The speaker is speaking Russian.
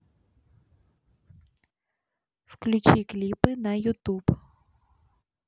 включи клипы на ютуб